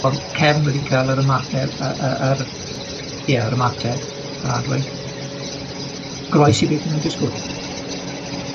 o'dd Cefn wedi ca'l yr ymateb yy y yr ie yr ymateb groes i beth o' nw'n disgwl.